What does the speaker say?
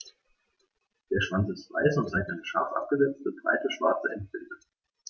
Der Schwanz ist weiß und zeigt eine scharf abgesetzte, breite schwarze Endbinde.